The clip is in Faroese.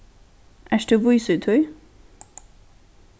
ert tú vís í tí